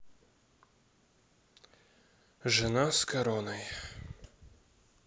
жена с короной